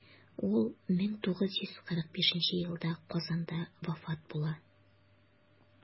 Ул 1945 елда Казанда вафат була.